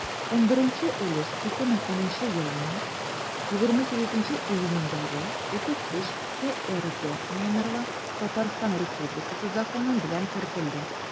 11 өлеш 2010 елның 28 июнендәге 33-трз номерлы татарстан республикасы законы белән кертелде.